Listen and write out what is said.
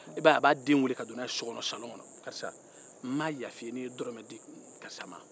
a b'a den wele ka don salɔn karisa n ma yafa n'i ye dɔrɔmɛ di karisa ma